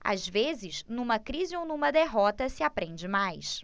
às vezes numa crise ou numa derrota se aprende mais